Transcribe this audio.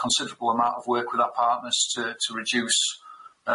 a considerable amount of work with our partners to to reduce